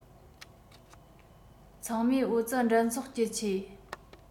ཚང མས ཨོ རྩལ འགྲན ཚོགས ཀྱི ཆེད